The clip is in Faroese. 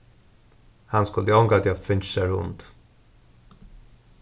hann skuldi ongantíð havt fingið sær hund